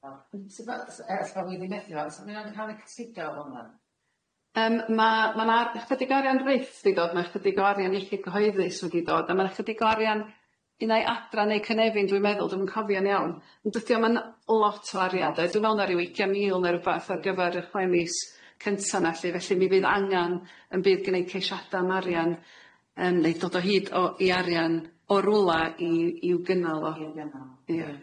Sud ma- yy sori os dwi di methu fo sud mau o'n ca'l i cysidro fo hwn wan? Yym ma' ma' 'na chydig o arian rith di dod ma' chydig o arian iechyd cyhoeddus wedi dod a ma' 'na chydig o arian unai Adra neu Cynefin dwi'n meddwl dwi'm yn cofio'n iawn ond dydi o 'm yn lot o arian 'de dwi me'wl na ryw ugian mil ne' rwbath ar gyfer y chwe mis cynta 'na lly felly mi fydd angan yn bydd gneud ceishada am arian yym neu dod o hyd o i arian o rwla i i'w gynnal o... I'w gynnal... Ia.